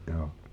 joo